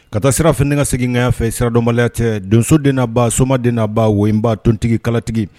Ka taa sira fe ka segin ka fɛ siradamaya cɛ donso deba so de naba wba tontigikalatigi